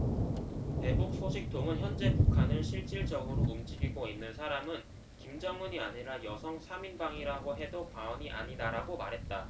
대북 소식통은 현재 북한을 실질적으로 움직이고 있는 사람은 김정은이 아니라 여성 삼 인방이라고 해도 과언이 아니다라고 말했다